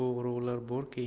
bog' rog'lar borki